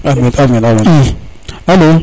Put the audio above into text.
amiin amiin alo